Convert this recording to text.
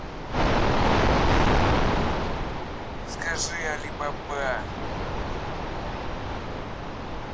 скажи алибаба